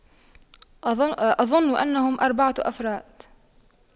أظن أنهم أربعة أفراد